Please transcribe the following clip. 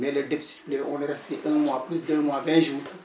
mais le deficit on est resté un mois plus d' un mois 20 jours